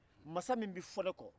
mansa min bɛ fɔ na kɔ